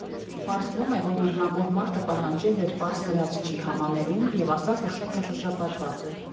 Պարզվում է, որ նռնակով մարդը պահանջել էր (պարզ գրած չի) համաներում և ասաց, որ շենքը շրջապատված է։